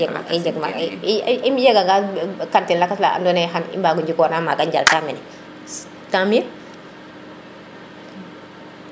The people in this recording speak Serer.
i i ndega nga kantin lakas la ando naye xan i mbago njikora maga njal ta mene tant mieux